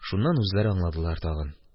Шуннан үзләре аңладылар тагын